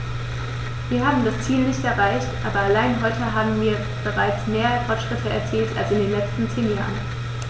Wir haben das Ziel nicht erreicht, aber allein heute haben wir bereits mehr Fortschritte erzielt als in den letzten zehn Jahren.